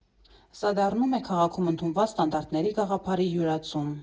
Սա դառնում է քաղաքում ընդունված ստանդարտների գաղափարի յուրացում։